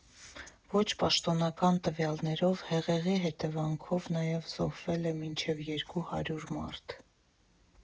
Ոչ պաշտոնական տվյալներով հեղեղի հետևանքով նաև զոհվել է մինչև երկու հարյուր մարդ։